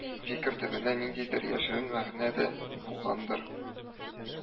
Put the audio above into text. Фикер төбендә ниндидер яшерен мәгънә дә булгандыр